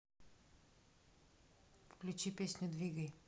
включи песню двигай